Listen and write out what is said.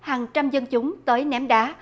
hàng trăm dân chúng tới ném đá